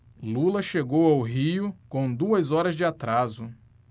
lula chegou ao rio com duas horas de atraso